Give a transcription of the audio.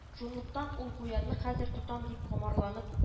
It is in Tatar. Шунлыктан ул куянны хәзер тотам дип комарланып